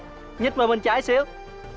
nhích luôn bên trái xíu